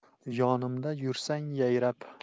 yonimda yursang yayrab